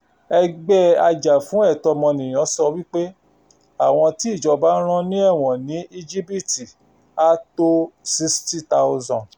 Ẹgbẹ́ ajàfúnẹ̀tọ́ ọmọnìyàn sọ wípé, àwọn tí ìjọba rán ní ẹ̀wọ̀n ní Íjípìtì á tó 60,000.